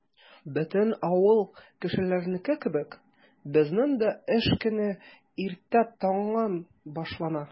Бөтен авыл кешеләренеке кебек, безнең дә эш көне иртә таңнан башлана.